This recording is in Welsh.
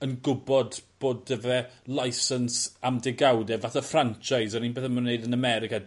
yn gwbod bod 'dyf e licence am degawd. Fath o franchize yr un peth a ma' nw'n neud yn America